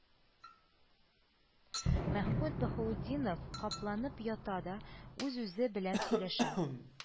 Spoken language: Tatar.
Мәхмүт Баһаутдинов капланып ята да, үз-үзе белән сөйләшә: